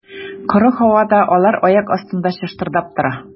Коры һавада алар аяк астында чыштырдап тора.